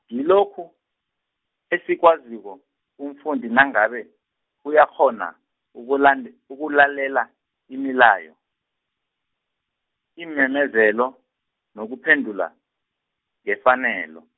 ngilokhu, esikwaziko, umfundi nangabe, uyakghona, ukulande- ukulalela, imilayo, iimemezelo, nokuphendula, ngefanelo.